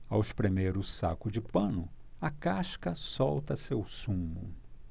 ao espremer o saco de pano a casca solta seu sumo